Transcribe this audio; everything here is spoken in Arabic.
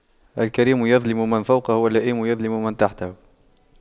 الكريم يظلم من فوقه واللئيم يظلم من تحته